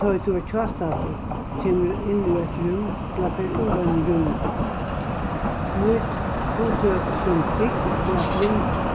tá ið tú ert hjástaddur kemur inn í eitt rúm ella fer úr einum rúmi nýt hugtøk sum hygg ella blind